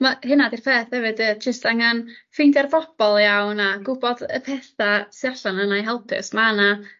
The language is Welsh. Ma' hynna 'di'r peth hefyd ia jyst angan ffeindio'r bobol iawn a gwbod y petha sy allan yna i helpu os ma' 'na